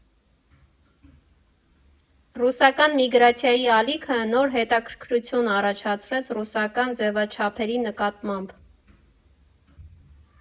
Ռուսական միգրացիայի ալիքը նոր հետաքրքրություն առաջացրեց ռուսական ձևաչափերի նկատմամբ։